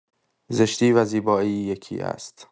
زشتی و زیبایی یکی است.